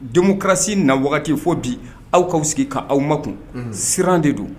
Donkarasi na fo bi aw k'aw sigi k' aw ma kun siran de don